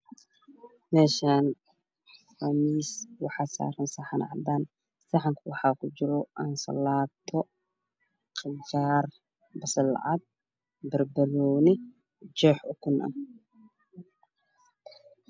Meeshàani waa miis waxaa saaran saxan cadaan saxanka waxaa ku jiro Anshalaato, khajaar, basal-cad, barbarooni, jeex ukun ah.